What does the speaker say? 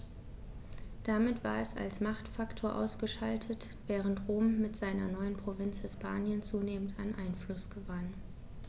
Damit war es als Machtfaktor ausgeschaltet, während Rom mit seiner neuen Provinz Hispanien zunehmend an Einfluss gewann.